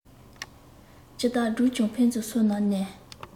ཇི ལྟར བསྒྲུབས ཀྱང ཕན ཚུན སོ ན གནས